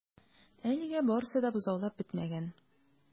Әлегә барысы да бозаулап бетмәгән.